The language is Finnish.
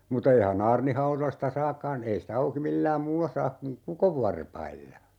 mutta eihän aarnihaudoista saakaan ei sitä auki millään muulla saa kuin kukonvarpailla